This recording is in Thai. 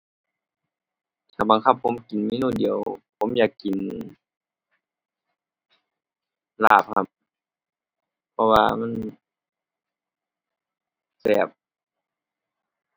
ถ้าบังคับผมกินเมนูเดียว ผมอยากกินลาบครับ เพราะว่ามันแซ่บ